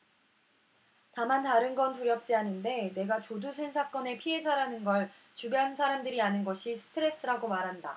다만 다른 건 두렵지 않은데 내가 조두순 사건의 피해자라는 걸 주변 사람들이 아는 것이 스트레스라고 말한다